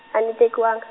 a ni tekiwanga.